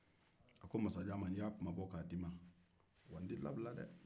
a ko masajan ma ni n y'a kunmabɔ k'a d'i ma n tɛ labila dɛ